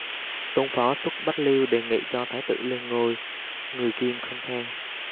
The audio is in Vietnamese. tôn phó suất bách liêu đề nghị cho thái tử lên ngôi người kim không theo